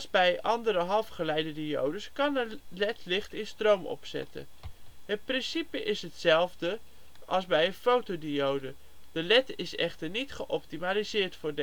bij andere halfgeleiderdiodes kan een led licht in stroom omzetten. Het principe is hetzelfde als bij een fotodiode. De led is echter niet geoptimaliseerd voor